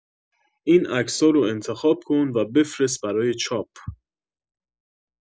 این عکسارو انتخاب کن و بفرست برای چاپ